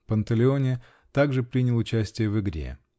Панталеоне также принял участие в игре.